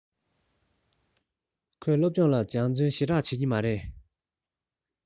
ཁོས སློབ སྦྱོང ལ སྦྱོང བརྩོན ཞེ དྲགས བྱེད ཀྱི མ རེད